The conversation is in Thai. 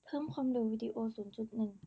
เพิ่มความเร็ววีดีโอศูนย์จุดหนึ่ง